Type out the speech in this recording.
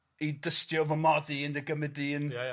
I dystio fy mod i yn dy gymyd yn... Ia ia.